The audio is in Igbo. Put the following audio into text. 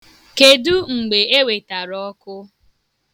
Kedu mgbe ewetara ọkụ?